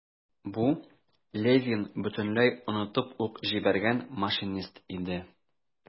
Бу - Левин бөтенләй онытып ук җибәргән машинист иде.